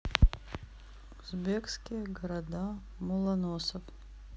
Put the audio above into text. узбекские города молоносов